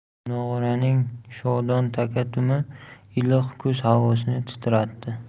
nog'oraning shodon taka tumi iliq kuz havosini titratdi